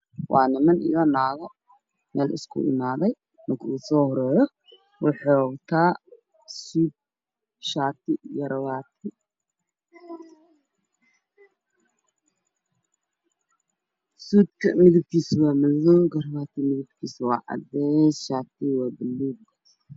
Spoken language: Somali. waa Niman iyo naago mel isku imaday Midka uso horeyo wuxu Watan sud shati yaro bati sudka midabkisu waa madow midabkisu midabkisu wa Cades shatigu wa balug